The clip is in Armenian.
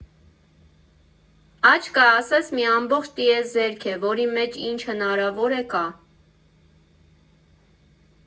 Աչքը, ասես, մի ամբողջ տիեզերք է, որի մեջ ինչ հնարավոր է կա։